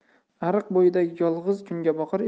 ariq bo'yidagi yolg'iz kungaboqar